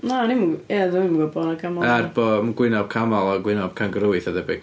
Na o'n i'm yn... ia, do'n i'm yn gwbod bo 'na camel... Er bod gwyneb camel a gwyneb cangarŵ eitha debyg.